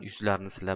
yuzlaridan silab